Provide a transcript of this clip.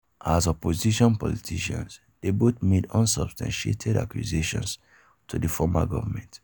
As opposition politicians, they both made unsubstantiated accusations to the former government.